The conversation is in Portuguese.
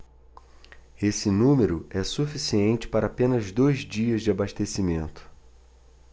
esse número é suficiente para apenas dois dias de abastecimento